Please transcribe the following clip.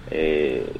Ee